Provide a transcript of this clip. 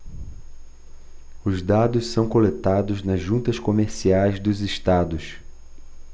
os dados são coletados nas juntas comerciais dos estados